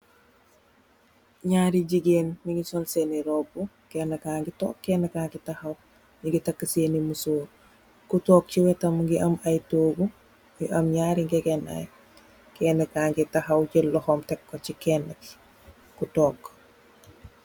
Ñaari gigeen ñu ngi sol sèèn ni robu, Kenna ka ngi tóóg Kenna ka ngi taxaw, ñi ñgi taka sèèn ni moser. Ku tóóg ci wettam mugii am ay tohgu,. mugii am ñaari ngegenai , Kenna ka ngi taxaw jél loxom tèg ko ci Kenna ku tóóg.